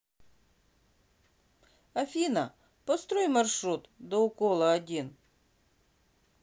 афина построй маршрут до укола один